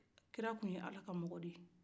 kira tun ye ala ka mɔgɔ de ye